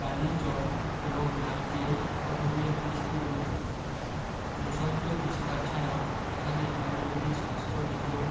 বালি জল এবং নারকেল অরণ্যের বিস্তিরণ প্রশান্ত বিস্তার ছাড়াও এখানে আয়ুর্বেদিক স্বাস্থ্য রিসোর্ট